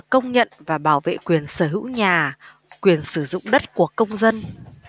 công nhận và bảo vệ quyền sở hữu nhà quyền sử dụng đất của công dân